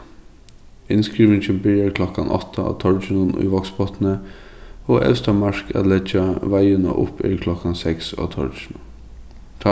innskrivingin byrjar klokkan átta á torginum í vágsbotni og evsta mark at leggja veiðuna upp er klokkan seks á torginum